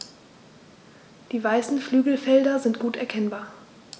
Die weißen Flügelfelder sind gut erkennbar.